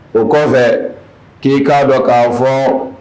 O kɔfɛ k' k'a dɔ k'a fɔ